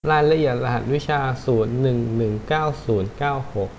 รายละเอียดรหัสวิชาศูนย์หนึ่งหนึ่งเก้าศูนย์เก้าหก